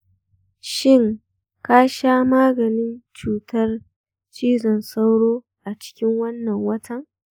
shin ka sha maganin cutar cizon sauro a cikin wannan watan?